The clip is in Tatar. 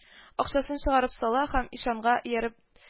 Акчасын чыгарып сала һәм ишанга ияреп